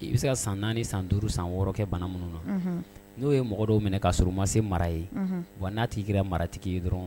I bɛ se ka san naani san duuru sanɔrɔ kɛ bana minnu na n'o ye mɔgɔ dɔw minɛ kaa sɔrɔ u ma se mara ye wa n'a tigi'i jirara maratigi ye dɔrɔn